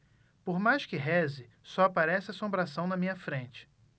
por mais que reze só aparece assombração na minha frente